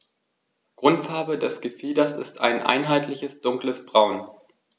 Grundfarbe des Gefieders ist ein einheitliches dunkles Braun.